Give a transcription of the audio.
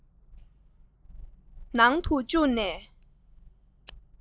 ནང དུ བཅུག ནས